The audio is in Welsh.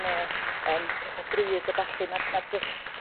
ne' yrm petha' drud a ballu ma' ma' jyst